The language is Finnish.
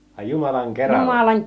ai Jumalan keralla